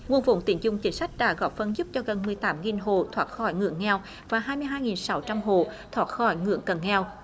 nguồn vốn tín dụng chính sách đã góp phần giúp cho gần mười tám nghìn hộ thoát khỏi ngưỡng nghèo và hai hai nghìn sáu trăm hộ thoát khỏi ngưỡng cận nghèo